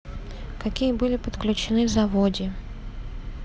какие были подключены заводи